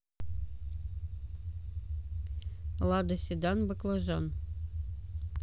лада седан баклажан